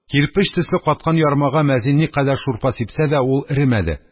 Кирпеч төсле каткан ярмага мөәззин никадәр шурпа сипсә дә, ул эремәде.